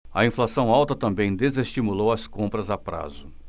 a inflação alta também desestimulou as compras a prazo